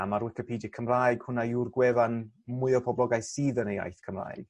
a ma'r wicipedia Cymraeg hwnna yw'r gwefan mwya poblogaidd sydd yn y iaith Cymraeg.